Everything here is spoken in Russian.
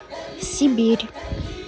сибирь